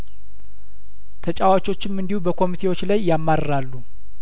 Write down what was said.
ተጫዋቾችም እንዲሁ በኮሚቴዎች ላይ ያማር ራሉ